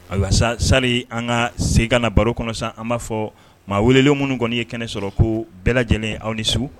Ayiwa sa an ka se ka na baro kɔnɔ san an b'a fɔ maa welelen minnu kɔni ye kɛnɛ sɔrɔ ko bɛɛ lajɛlen aw ni su